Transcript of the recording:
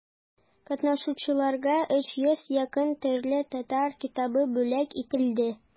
Катнашучыларга өч йөзгә якын төрле татар китабы бүләк ителде.